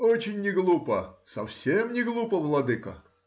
— Очень не глупо, совсем не глупо, владыко.